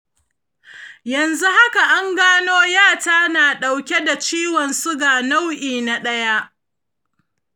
yanzu haka an gano ƴata ta na ɗauke da ciwon suga nau'i na ɗaya.